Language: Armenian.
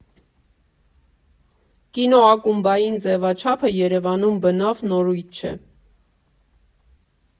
Կինոակումբային ձևաչափը Երևանում բնավ նորույթ չէ.